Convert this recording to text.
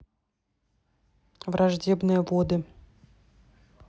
враждебные воды